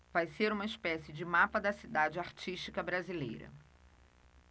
vai ser uma espécie de mapa da cidade artística brasileira